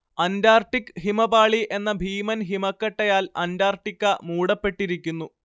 Antarctic ഹിമപാളി എന്ന ഭീമൻ ഹിമക്കട്ടയാൽ അന്റാർട്ടിക്ക മൂടപ്പെട്ടിരിക്കുന്നു